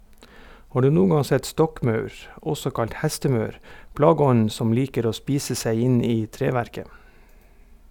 Har du noen gang sett stokkmaur , også kalt hestemaur, plageånden som liker å spise seg inn i treverket?